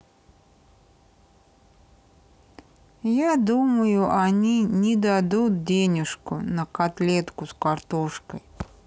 я думаю они не дадут денежку на котлетку с картошкой